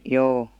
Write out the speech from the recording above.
joo